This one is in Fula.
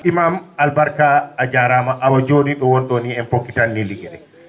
iman albarka a jaaraama awa jooni ?o woni ?oo ni en pokkitan nin ligge ?ee